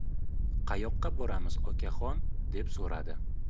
qayoqqa boramiz okaxon deb so'radi